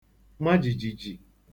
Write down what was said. ma jìjìjì